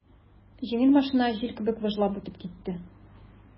Җиңел машина җил кебек выжлап үтеп китте.